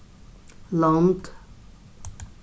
lond